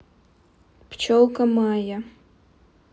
пчелка майя